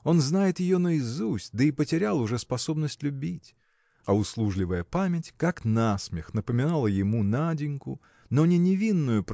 Он знает ее наизусть, да и потерял уже способность любить. А услужливая память как на смех напоминала ему Наденьку но не невинную